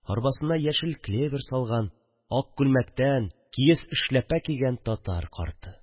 Арбасына яшел клевер салган, ак күлмәктән, киез эшләпә кигән татар карты